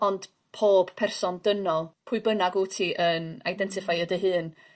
Ond pob person dynol pwy bynnag wyt ti yn identiffeio dy hun